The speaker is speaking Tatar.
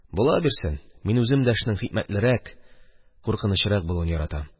Була бирсен, мин үзем дә эшнең хикмәтлерәк, куркынычрак булуын яратам.